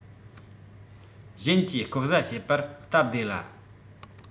གཞན གྱིས ལྐོག ཟ བྱེད པར སྟབས བདེ ལ